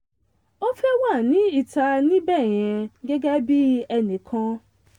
Ò fẹ́ wà ní ìta níb̀ yẹn, gẹ́gẹ́ bí ẹnikẹ́ni."